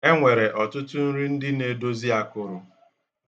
E nwere ọtụtụ nri ndị na-edozi akụrụ.